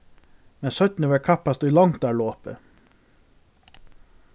men seinni varð kappast í longdarlopi